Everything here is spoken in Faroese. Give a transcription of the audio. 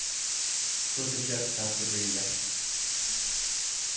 hvussu skjótt kanst tú byrja